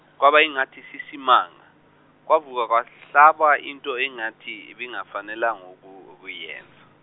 kwaba yingathi isisimanga kwavuka kwahlaba into engathi ibingafanelanga uku- ukuyenza.